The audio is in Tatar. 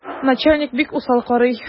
Начальник бик усал карый.